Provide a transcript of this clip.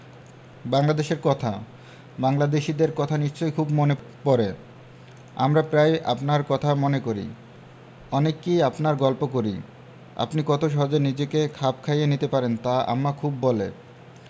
বাংলাদেশের কথা বাংলাদেশীদের কথা নিশ্চয় খুব মনে পরে আমরা প্রায়ই আপনারর কথা মনে করি অনেককেই আপনার গল্প করি আপনি কত সহজে নিজেকে খাপ খাইয়ে নিতে পারেন তা আম্মা খুব বলে